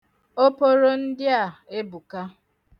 Oporo ndị a ebuka.